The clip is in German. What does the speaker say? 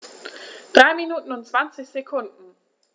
3 Minuten und 20 Sekunden